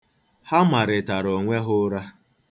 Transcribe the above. Ha marịtara onwe ha ụra.